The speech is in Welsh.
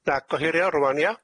Na, gohirio rŵan, ia?